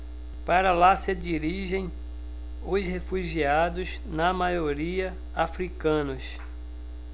para lá se dirigem os refugiados na maioria hútus